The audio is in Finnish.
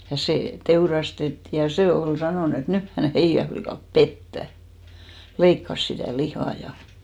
ja se teurastettiin ja se oli sanonut että nyt hän heidän likat pettää leikkasi sitä lihaa ja